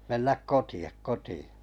mennä kotiin kotiin